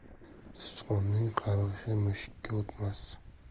sichqonning qarg'ishi mushukka o'tmas